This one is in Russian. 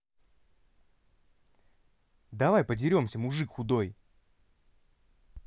давай подеремся мужик худой